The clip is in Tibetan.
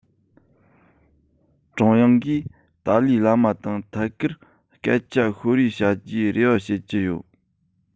ཀྲུང དབྱང གིས ཏཱ ལའི བླ མ དང ཐད ཀར སྐད ཆ ཤོད རེས བྱ རྒྱུའི རེ བ བྱེད ཀྱི ཡོད